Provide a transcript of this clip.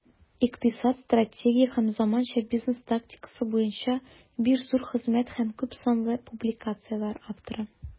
Икътисад, стратегия һәм заманча бизнес тактикасы буенча 5 зур хезмәт һәм күпсанлы публикацияләр авторы.